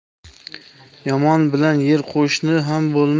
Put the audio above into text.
yomon bilan yer qo'shni ham